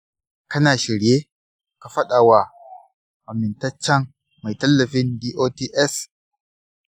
kana shirye ka faɗa wa amintaccen mai tallafin dots?